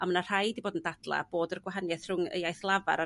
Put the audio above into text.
a ma' 'na rhai 'di bod yn dadla' bod yr gwahaniath rhwng y iaith lafar ar